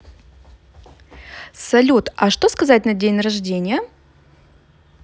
салют а что сказать на день рождения